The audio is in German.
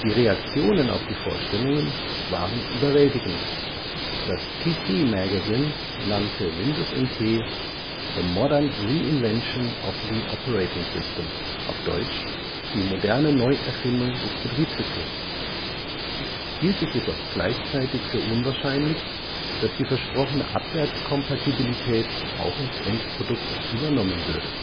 Reaktionen auf die Vorstellung waren überwältigend, das PC Magazine nannte Windows NT “the modern reinvention of the operating system” (deutsch: „ die moderne Neuerfindung des Betriebssystems “), hielt es jedoch gleichzeitig für unwahrscheinlich, dass die versprochene Abwärtskompatibilität auch ins Endprodukt übernommen würde